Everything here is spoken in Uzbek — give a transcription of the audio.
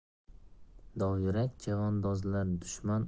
dovyurak chavandozlaring dushman